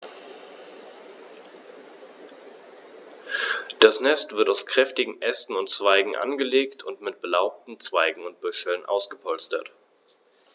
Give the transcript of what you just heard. Das Nest wird aus kräftigen Ästen und Zweigen angelegt und mit belaubten Zweigen und Büscheln ausgepolstert.